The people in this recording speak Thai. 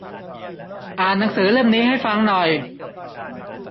อ่านหนังสือเล่มนี้ให้ฟังหน่อย